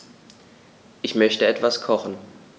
Ich möchte etwas kochen.